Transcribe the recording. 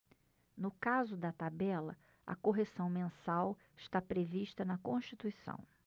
no caso da tabela a correção mensal está prevista na constituição